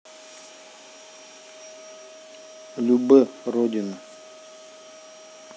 любэ родина